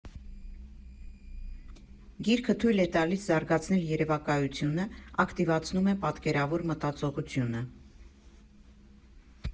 Գիրքը թույլ է տալիս զարգացնել երևակայությունը, ակտիվացնում է պատկերավոր մտածողությունը։